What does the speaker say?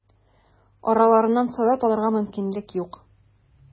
Араларыннан сайлап алырга мөмкинлек юк.